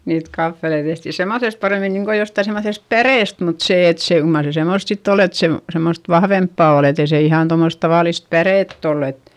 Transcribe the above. niitä kahveleita tehtiin semmoisesta paremmin niin kuin jostakin semmoisesta päreestä mutta se että se kyllä mar se semmoista sitten oli että se semmoista vahvempaa oli että ei se ihan tuommoista tavallista pärettä ollut et